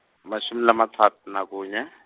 emashumi lamatsat- nakunye.